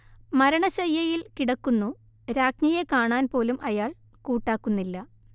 മരണശയ്യയിൽ കിടക്കുന്നു രാജ്ഞിയെ കാണാൻ പോലും അയാൾ കൂട്ടാക്കുന്നില്ല